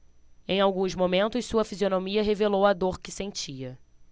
em alguns momentos sua fisionomia revelou a dor que sentia